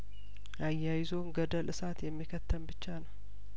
አያይዞን ገደል እሳት የሚከተን ብቻ ነው